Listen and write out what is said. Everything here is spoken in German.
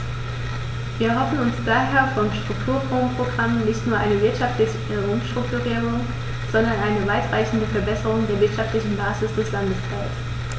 Wir erhoffen uns daher vom Strukturfondsprogramm nicht nur eine wirtschaftliche Umstrukturierung, sondern eine weitreichendere Verbesserung der wirtschaftlichen Basis des Landesteils.